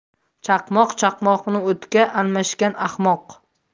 chaqmoq chaqmoqni o'tga almashgan ahmoq